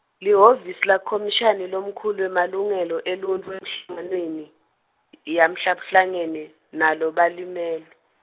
lihhovisi lakhomishani lomkhulu wemalungelo eluntfu enhlanganweni, yamhlabuhlangene, nalo balimele.